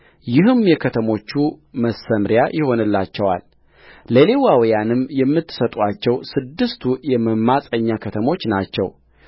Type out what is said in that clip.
ይህም የከተሞቹ መሰምርያ ይሆንላቸዋልለሌዋውያንም የምትሰጡአቸው ስድስቱ የመማፀኛ ከተሞች ናቸው